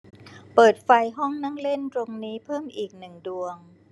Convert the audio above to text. เปิดไฟห้องนั่งเล่นตรงนี้เพิ่มอีกหนึ่งดวง